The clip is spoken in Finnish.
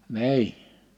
niin